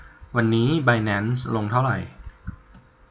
วันนี้ไบแนนซ์ลงเท่าไหร่